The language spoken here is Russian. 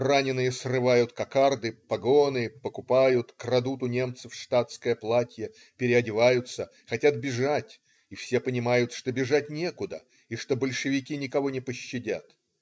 Раненые срывают кокарды, погоны, покупают, крадут у немцев штатское платье, переодеваются, хотят бежать, и все понимают, что бежать некуда и что большевики никого не пощадят.